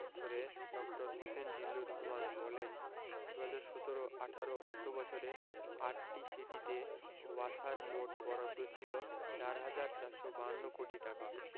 ধরে ড. হোসেন জিল্লুর রহমান বলেন ২০১৭ ১৮ অর্থবছরে আটটি সিটিতে ওয়াসার মোট বরাদ্দ ছিল ৪ হাজার ৪৫২ কোটি টাকা